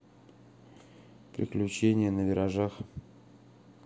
приключения на виражах